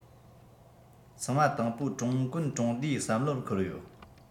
ཚང མ དང པོ ཀྲུང གོན གྲོང སྡེ བསམ བློར འཁོར ཡོད